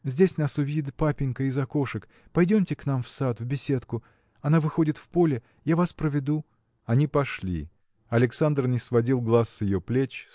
Здесь нас увидит папенька из окошек: пойдемте к нам в сад, в беседку. она выходит в поле, я вас проведу. Они пошли. Александр не сводил глаз с ее плеч